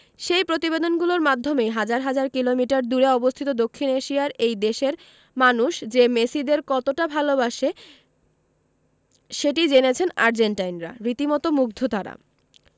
সেই প্রতিবেদনগুলোর মাধ্যমেই হাজার হাজার কিলোমিটার দূরে অবস্থিত দক্ষিণ এশিয়ার এই দেশের মানুষ যে মেসিদের কতটা ভালোবাসে সেটি জেনেছেন আর্জেন্টাইনরা রীতিমতো মুগ্ধ তাঁরা